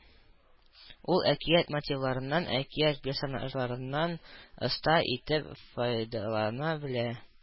Ул әкият мотивларыннан, әкият персонажларыннан оста итеп файдалана белә